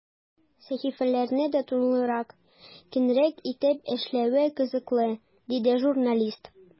Сәхифәләрне дә тулырак, киңрәк итеп эшләве кызыклы, диде журналист.